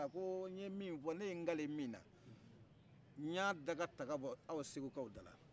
a ko nye min fɔ ne yen kali min na nya daga ta ka bɔ aw segukaw dala